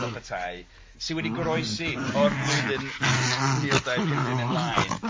Fel petai, sydd wedi goroesi o'r flwyddyn mil dau pump dim ymlaen.